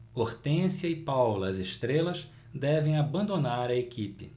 hortência e paula as estrelas devem abandonar a equipe